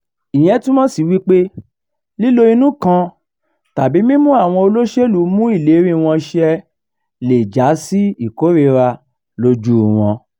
Ìyẹn túmọ̀ sí wípé lílo inú kan tàbí mímú àwọn olóṣèlúu mú ìléríi wọn ṣe lè já sí ìkórìíra lójúu wọn.